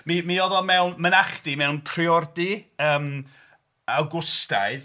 Mi oedd o mewn mynachdy mewn priordy ymm Awgwstaidd.